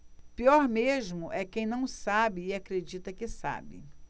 pior mesmo é quem não sabe e acredita que sabe